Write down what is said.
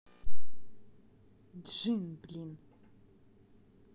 джин блин